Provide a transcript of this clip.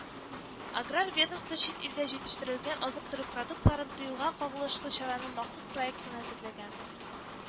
Аграр ведомство чит илдә җитештерелгән азык-төлек продуктларын тыюга кагылышлы карарның махсус проектын әзерләгән